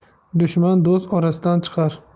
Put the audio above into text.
dushman do'st orasidan chiqar